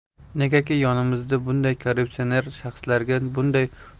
negaki yonimizda bunday korrupsioner shaxslarga bunday